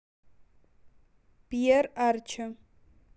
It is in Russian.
пьер арчо